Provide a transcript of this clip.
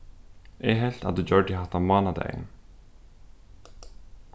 eg helt at tú gjørdi hatta mánadagin